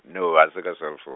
no a se ka cell pho-.